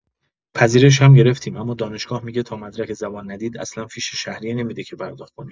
پذیرش هم گرفتیم اما دانشگاه می‌گه تا مدرک زبان ندید اصلا فیش شهریه نمی‌ده که پرداخت کنیم.